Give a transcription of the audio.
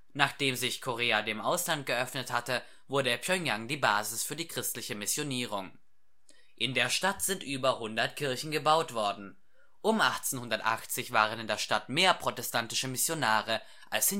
Nachdem sich Korea dem Ausland geöffnet hatte, wurde Pjöngjang die Basis für die christliche Missionierung. In der Stadt sind über 100 Kirchen gebaut worden, und 1880 waren in der Stadt mehr protestantische Missionare als